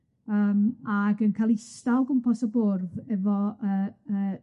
yym ac yn cael ista o gwmpas y bwrdd efo yy yy...